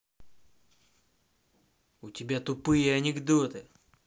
у тебя тупые анекдоты